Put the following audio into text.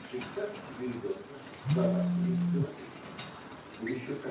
Представьте себе ребенка с задатками живописца. В будущем.